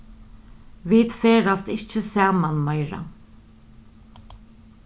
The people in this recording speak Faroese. vit ferðast ikki saman meira